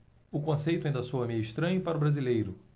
o conceito ainda soa meio estranho para o brasileiro